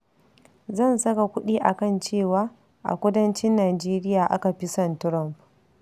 Zan saka kuɗi a kan cewa, a kudancin Nijeriya aka fi son Trumph.